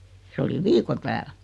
se oli viikon täällä